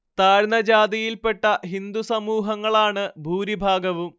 താഴ്ന്ന ജാതിയിൽ പെട്ട ഹിന്ദു സമൂഹങ്ങളാണ് ഭൂരിഭാഗവും